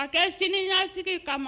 A kɛ siniɲɛsigi kama